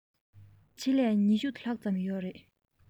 ཆེད ལས ༢༠ ལྷག ཙམ ཡོད རེད